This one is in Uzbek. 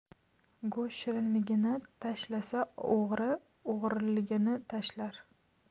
go'sht shirinligini tashlasa o'g'ri o'g'riligini tashlar